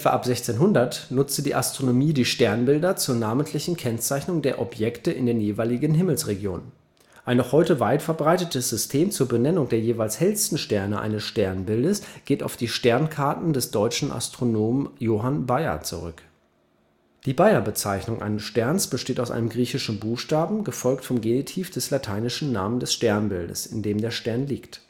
ab 1600 nutzte die Astronomie die Sternbilder zur namentlichen Kennzeichnung der Objekte in den jeweiligen Himmelsregionen. Ein noch heute weit verbreitetes System zur Benennung der jeweils hellsten Sterne eines Sternbildes geht auf die Sternkarten des deutschen Astronomen Johann Bayer zurück. Die Bayer-Bezeichnung eines Sterns besteht aus einem griechischen Buchstaben gefolgt vom Genitiv des lateinischen Namens des Sternbilds, in dem der Stern liegt